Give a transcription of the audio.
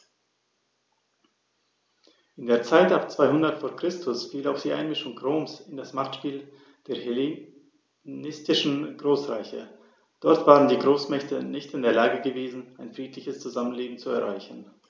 In die Zeit ab 200 v. Chr. fiel auch die Einmischung Roms in das Machtspiel der hellenistischen Großreiche: Dort waren die Großmächte nicht in der Lage gewesen, ein friedliches Zusammenleben zu erreichen.